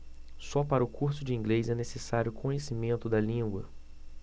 só para o curso de inglês é necessário conhecimento da língua